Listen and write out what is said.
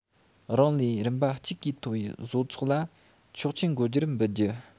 རང ལས རིམ པ གཅིག གིས མཐོ བའི བཟོ ཚོགས ལ ཆོག མཆན འགོད རྒྱུར འབུལ རྒྱུ